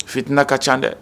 Fitina ka ca dɛ